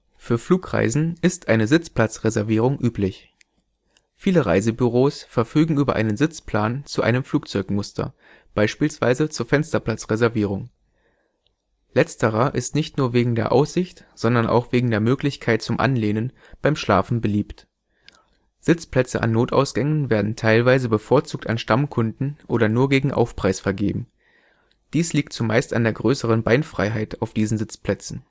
Für Flugreisen ist außerdem eine Sitzplatzreservierung üblich. Viele Reisebüros verfügen über einen Sitzplan zu einem Flugzeugmuster, beispielsweise zur Fensterplatz-Reservierung. Letzterer ist nicht nur wegen der Aussicht, sondern auch wegen der Möglichkeit zum Anlehnen beim Schlafen beliebt. Sitzplätze an Notausgängen werden teilweise bevorzugt an Stammkunden oder nur gegen Aufpreis vergeben. Dies liegt zumeist an der größeren Beinfreiheit auf diesen Sitzplätzen